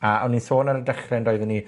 A o'n i'n sôn ar y dechre on'd oeddwn i